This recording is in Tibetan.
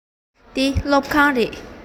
འདི སློབ ཁང རེད